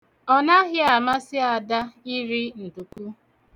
Ọnaghị amasị Ada iri nduku.